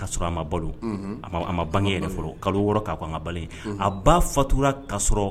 Ka sɔrɔ a ma balo a ma bange yɛrɛ kalo wɔɔrɔ' ka balima a ba faturala kasɔrɔ